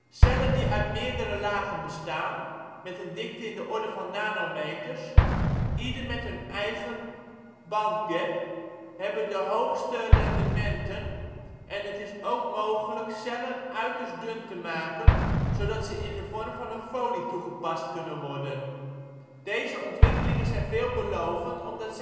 Cellen die uit meerdere lagen bestaan (met een dikte in de orde van nanometers), ieder met hun eigen bandgap, hebben de hoogste rendementen en het is ook mogelijk cellen uiterst dun te maken zodat ze in de vorm van een folie toegepast kunnen worden. Deze ontwikkelingen zijn veelbelovend omdat